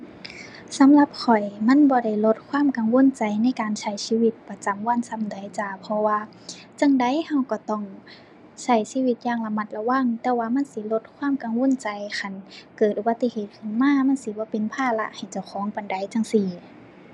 สำหรับข้อยมันบ่ได้ลดความกังวลใจในการใช้ชีวิตประจำวันส่ำใดจ้า เพราะว่าจั่งใดเราเราต้องใช้ชีวิตอย่างระมัดระวัง แต่ว่ามันสิลดความกังวลใจคันเกิดอุบัติเหตุขึ้นมา มันสิบ่เป็นภาระให้เจ้าของปานใดจั่งซี้